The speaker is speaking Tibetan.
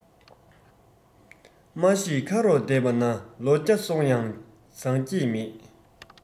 མ ཤེས ཁ རོག བསྡད པས ན ལོ བརྒྱ སོང ཡང བཟང བསྐྱེད མེད